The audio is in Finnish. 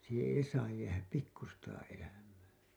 siihen ei saa jäädä pikkuistakaan elämää